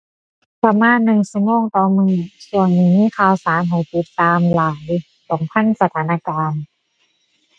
ประมาณหนึ่งชั่วโมงต่อมื้อ ช่วงนี้มีข่าวสารให้ติดตามหลายต้องทันสถานการณ์